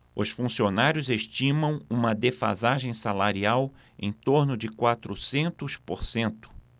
os funcionários estimam uma defasagem salarial em torno de quatrocentos por cento